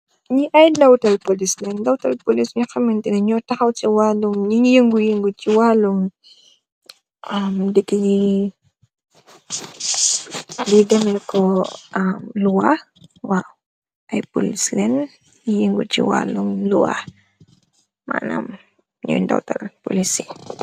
Nyii nou neh cii wallou louwawii